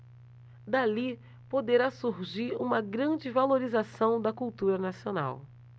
dali poderá surgir uma grande valorização da cultura nacional